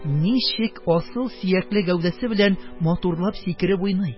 Ничек асыл сөякле гәүдәсе белән матурлап сикереп уйный.